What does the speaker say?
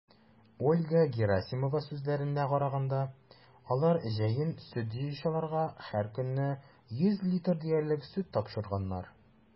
Ольга Герасимова сүзләренә караганда, алар җәен сөт җыючыларга һәркөнне 100 литр диярлек сөт тапшырганнар.